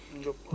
Ndiob waa